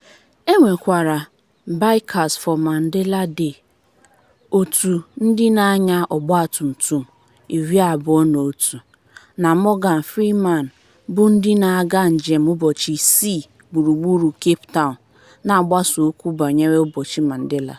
E nwekwara "Bikers for Mandela Day" - òtù ndị na-anya ọgbatumtum 21 (na Morgan Freeman) bụ ndị na-aga njem ụbọchị isii gburugburu Cape Town na-agbasa okwu banyere Ụbọchị Mandela.